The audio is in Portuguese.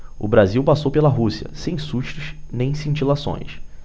o brasil passou pela rússia sem sustos nem cintilações